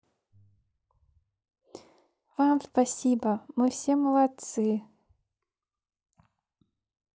вам спасибо мы все молодцы